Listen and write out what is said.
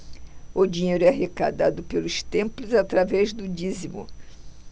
o dinheiro é arrecadado pelos templos através do dízimo